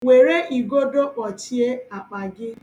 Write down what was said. Were igodo kpọchie akpa gị.